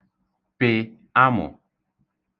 pị̀ amụ̀